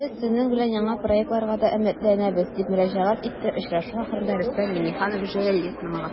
Без сезнең белән яңа проектларга да өметләнәбез, - дип мөрәҗәгать итте очрашу ахырында Рөстәм Миңнеханов Джей Литманга.